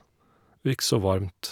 Ikke så varmt.